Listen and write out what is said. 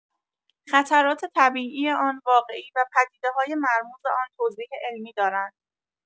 خطرات طبیعی آن واقعی و پدیده‌های مرموز آن توضیح علمی دارند.